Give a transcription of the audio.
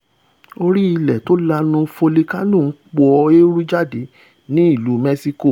Orí-ilẹ̀ tó lanu Fòlikánò ńpọ̀ eérú jáde ní Ìlú Mẹ́ṣíkò